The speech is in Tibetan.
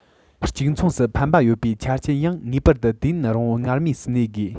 གཅིག མཚུངས སུ ཕན པ ཡོད པའི ཆ རྐྱེན ཡང ངེས པར དུ དུས ཡུན རིང པོར སྔར མུས སུ གནས དགོས